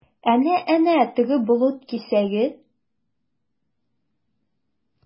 Әнә-әнә, теге болыт кисәге?